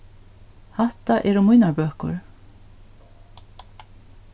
hatta eru mínar bøkur